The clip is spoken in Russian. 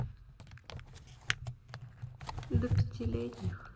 до пятилетних